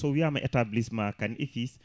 so wiyama établissement Kane et fils